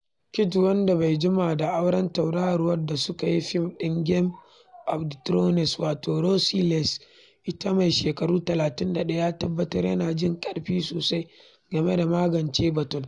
Kit, wanda bai jima da auren tauraruwar da suka yi fim ɗin Game of Thrones wator Rose Leslie, ita ma mai shekaru 31, ya tabbatar yana jin 'ƙarfi sosai' game da magance batun.